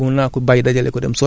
mën naa koo bay dajale ko